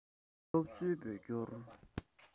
སློབ གསོའི བོད སྐྱོར